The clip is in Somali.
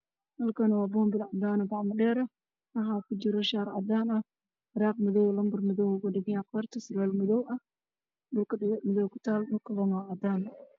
Meeshan waxa yaalo boom bal caddaan waxa uuna qabaa shaati cadaan ah meesha uu taagan yahay oo caddaan shaatiga dhexdu haga xiran kartaan madow ah